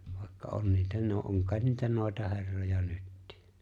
vaikka on niitä - on kai niitä noitaherroja nytkin